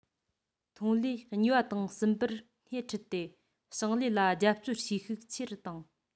ཐོན ལས གཉིས པ དང གསུམ པར སྣེ འཁྲིད དེ ཞིང ལས ལ རྒྱབ སྐྱོར བྱེད ཤུགས ཆེ རུ བཏང